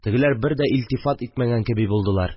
Тегеләр бер дә илтифат итмәгән кеби булдылар